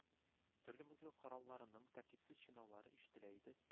Төрле музыка коралларының тәртипсез чинаулары ишетелә иде